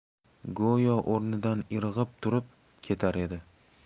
go'yo o'rnidan irg'ib turib ketar edi